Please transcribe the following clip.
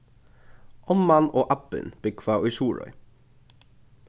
omman og abbin búgva í suðuroy